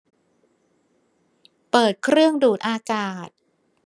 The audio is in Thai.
เปิดเครื่องดูดอากาศ